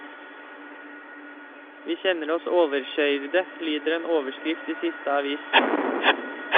"Vi kjenner oss overkøyrde" , lyder en overskrift i siste avis.